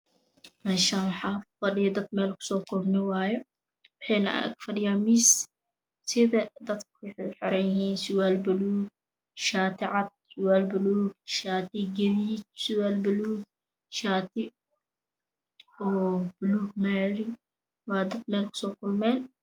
Meshaan waxaa fadhiya dad meel kusoo kulme wayee waxeena ag fadhiyaan miis sida daka waxey xiran yihiin surwaal paluug shati cad surwaal paluug shaati galiiji surwaal paluug shaati puluug mari waa dad meel kusoo kulmeen